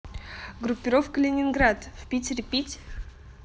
группировка ленинград в питере пить